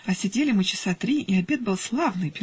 а сидели мы часа три, и обед был славный